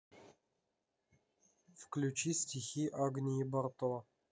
включи стихи агнии барто